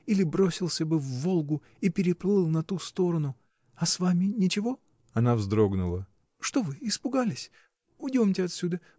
Или бросился бы в Волгу и переплыл на ту сторону. А с вами, ничего? Она вздрогнула. — Что вы, испугались? — Уйдемте отсюда!